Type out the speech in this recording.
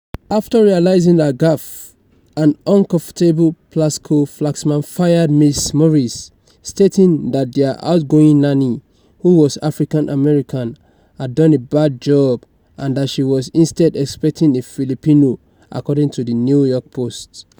After realizing her gaffe, an "uncomfortable" Plasco-Flaxman fired Ms. Maurice, stating that their outgoing nanny, who was African-American, had done a bad job and that she was instead expecting a Filipino, according to the New York Post.